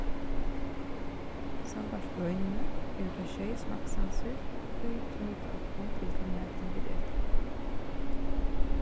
sambært greinini eru tað sjey smakksansir ið knýta okkum til tann matin vit eta